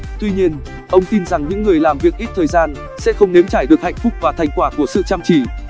tuy nhiên ông tin rằng những người làm việc ít thời gian sẽ không nếm trải được hạnh phúc và thành quả của sự chăm chỉ